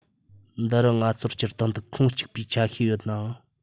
འདི རུ ང ཚོར སྤྱིར བཏང དུ ཁུངས གཅིག པའི ཆ ཤས ཡོད ནའང